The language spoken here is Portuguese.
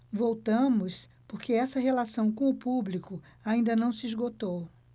voltamos porque essa relação com o público ainda não se esgotou